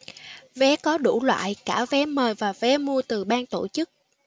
vé có đủ loại cả vé mời và vé mua từ ban tổ chức